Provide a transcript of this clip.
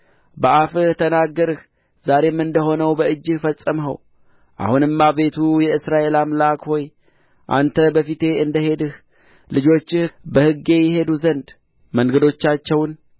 በአፍህ ተናገርህ ዛሬም እንደ ሆነው በእጅህ ፈጸምኸው አሁንም አቤቱ የእስራኤል አምላክ ሆይ አንተ በፊቴ እንደ ሄድህ ልጆችህ በሕጌ ይሄዱ ዘንድ መንገዳቸውን